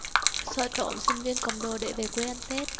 sợ trộm sinh viên cầm đồ để về quê ăn tết